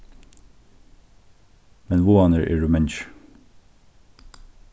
men váðarnir eru mangir